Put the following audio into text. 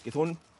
Geiff 'wn